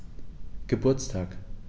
Geburtstag